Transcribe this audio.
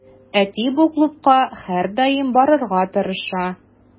Әти бу клубка һәрдаим барырга тырыша.